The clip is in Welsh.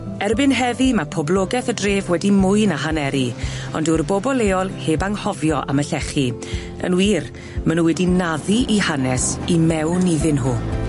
Erbyn heddi, ma' poblogeth y dref wedi mwy na haneru ond dyw'r bobol leol heb anghofio am y llechi yn wir ma' nw wedi naddu 'u hanes i mewn iddyn nhw.